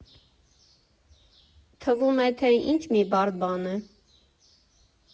Թվում է թե ինչ մի բարդ բան է.